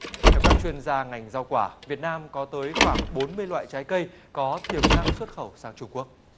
theo các chuyên gia ngành rau quả việt nam có tới khoảng bốn mươi loại trái cây có tiềm năng xuất khẩu sang trung quốc